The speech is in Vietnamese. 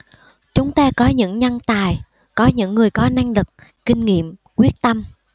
chúng ta có những nhân tài có những người có năng lực kinh nghiệm quyết tâm